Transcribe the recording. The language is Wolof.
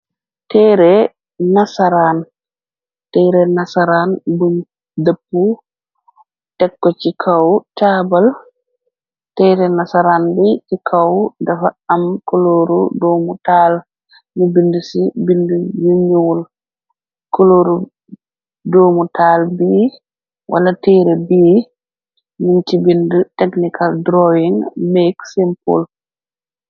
Teere nasaraan, teere nasaran buñ dëppu tekko ci kaw taabal, teere nasaran bi ci kaw dafa am kolooru doomutaal ñu bind ci bind yu ñuul, kolooru doomutaal bii, wala teere bii ñuñ ci bind technical drawing make simple.